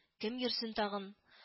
Кем йөрсен тагын